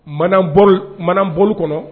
Ma maoli kɔnɔ